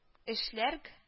Эшләрг